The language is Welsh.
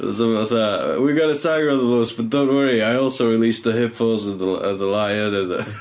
As in fatha we've got a tiger on the loose, but don't worry. I also released the hippos and the l- and the lion and the...